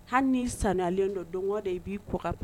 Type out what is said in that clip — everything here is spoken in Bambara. Hali n'i sanlen dɔ dɔn dɔ i b'i kɔ